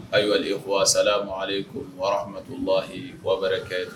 Ayyuhal ikwa asalamu aleyikum wa rahamatulaahi wa barakaatuhu